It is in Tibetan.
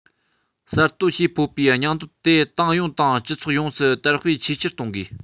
གསར གཏོད བྱེད ཕོད པའི སྙིང སྟོབས དེ ཏང ཡོངས དང སྤྱི ཚོགས ཡོངས སུ དར སྤེལ ཆེས ཆེར གཏོང དགོས